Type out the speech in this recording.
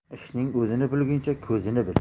ishning o'zini bilguncha ko'zini bil